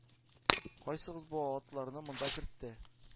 -кайсыгыз бу атларны монда кертте?!-